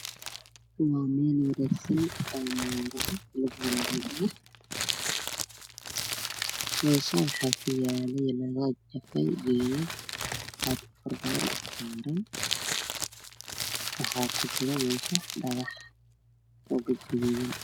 Waa guri dhismo ka socda oo ka sameysan buluketi dhulka waxaa yaalo dhagax aada u fara badan